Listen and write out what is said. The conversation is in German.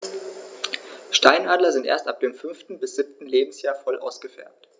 Steinadler sind erst ab dem 5. bis 7. Lebensjahr voll ausgefärbt.